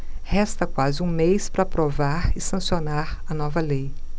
resta quase um mês para aprovar e sancionar a nova lei